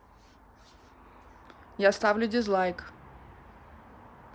я ставлю дизлайк